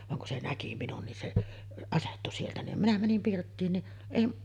vaan kun se näki minun niin se asettui sieltä niin minä menin pirttiin niin ei